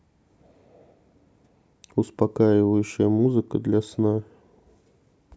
успокаивающая музыка для сна